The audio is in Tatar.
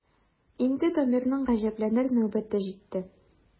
Инде Дамирның гаҗәпләнер нәүбәте җитте.